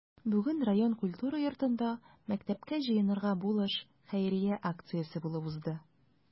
Бүген район культура йортында “Мәктәпкә җыенырга булыш” хәйрия акциясе булып узды.